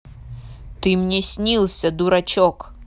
ты мне снился дурачок